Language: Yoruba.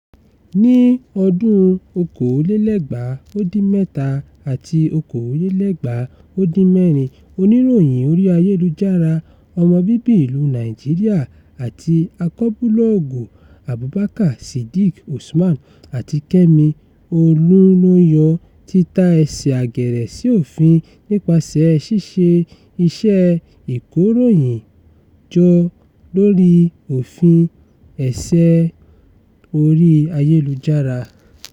Ní ọdún 2017 àti 2016, oníròyìn orí-ayélujára ọmọ bíbí ìlú Nàìjíríà àti akọbúlọ́ọ̀gù Abubakar Sidiq Usman àti Kẹ́mi Olúnlọ́yọ̀ọ́ tí ta ẹsẹ̀ àgẹ̀rẹ̀ sí òfin nípasẹ̀ ṣíṣe iṣẹ́ ìkóròyìnjọ lóríi Òfin Ẹ̀ṣẹ̀ orí-ayélujára.